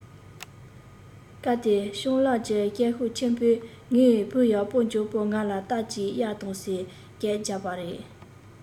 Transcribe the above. སྐབས དེར སྤྱང ལགས ཀྱིས སྐད ཤུགས ཆེན པོས ངའི བུ ཡག པོ མགྱོགས པོ ང ལ རྟ གཅིག གཡར དང ཟེར སྐད རྒྱབ པ རེད